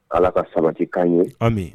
Ala ka sabati kan ye